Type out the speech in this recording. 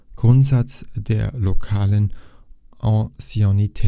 Grundsatz der „ lokalen Anciennität